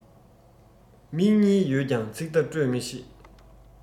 མིག གཉིས ཡོད ཀྱང ཚིག བརྡ སྤྲོད མི ཤེས